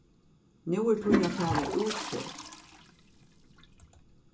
nú er tíð at fara útferð